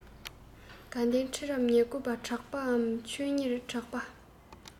དགའ ལྡན ཁྲི རབས ཉེར དགུ པ གྲགས པའམ ཆོས གཉེར གྲགས པ